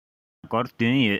ང ལ སྒོར བདུན ཡོད